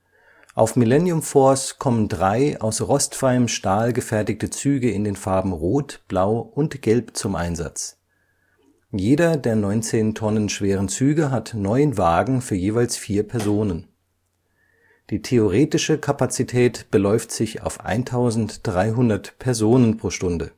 Auf Millennium Force kommen drei aus rostfreiem Stahl gefertigte Züge in den Farben rot, blau und gelb zum Einsatz. Jeder der 19 Tonnen schweren Züge hat neun Wagen für jeweils vier Personen. Die theoretische Kapazität beläuft sich auf 1300 Personen pro Stunde